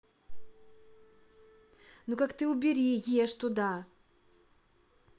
ну как ты убери ешь туда